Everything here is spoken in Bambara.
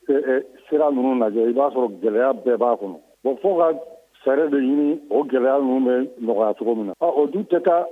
Sira ninnu lajɛ i b'a sɔrɔ gɛlɛya bɛɛ b'a kɔnɔ fo ka sariya de ɲini o gɛlɛya ninnu bɛ nɔgɔya cogo min na ɔ o dun tɛ taa